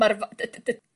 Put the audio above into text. ...ma' rai fo- yy d- yy